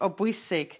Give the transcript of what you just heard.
o bwysig.